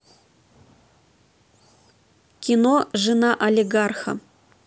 кино жена олигарха